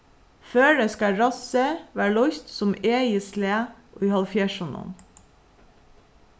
føroyska rossið varð lýst sum egið slag í hálvfjerðsunum